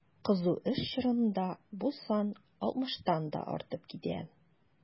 Кызу эш чорында бу сан 60 тан да артып китә.